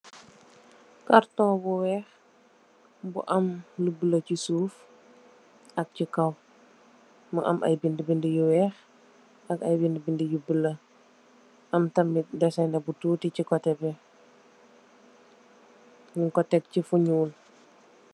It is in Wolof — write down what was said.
Kartong bu weex bu am lu bulo se suuf ak che kaw mu am aye bede bede yu weex ak aye bede bede yu bula am tamin desene bu tuti che koteh nugku tek se fu nuul.